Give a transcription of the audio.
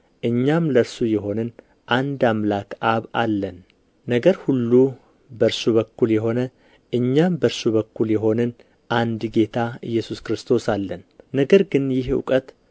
እኛም ለእርሱ የሆንን አንድ አምላክ አብ አለን ነገር ሁሉም በእርሱ በኩል የሆነ እኛም በእርሱ በኩል የሆንን አንድ ጌታ ኢየሱስ ክርስቶስ አለን ነገር ግን ይህ እውቀት